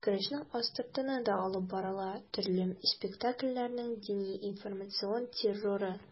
Көрәшнең астыртыны да алып барыла: төрле секталарның дини-информацион терроры.